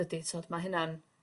dydi t'mod ma' hynna'n